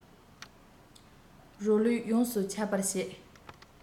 རོ ལུས ཡོངས སུ ཁྱབ པར བྱེད